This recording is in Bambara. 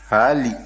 haali